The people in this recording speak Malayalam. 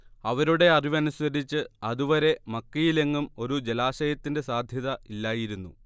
അവരുടെ അറിവനുസരിച്ച് അത് വരെ മക്കയിലെങ്ങും ഒരു ജലാശയത്തിന്റെ സാധ്യത ഇല്ലായിരുന്നു